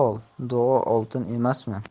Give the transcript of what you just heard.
ol duo oltin emasmi